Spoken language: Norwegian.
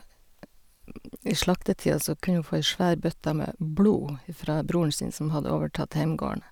I slaktetida så kunne hun få ei svær bøtte med blod ifra broren sin, som hadde overtatt heimgården.